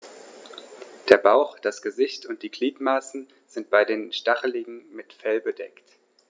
Der Bauch, das Gesicht und die Gliedmaßen sind bei den Stacheligeln mit Fell bedeckt.